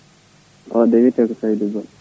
o de wiyete ko Saydou Ba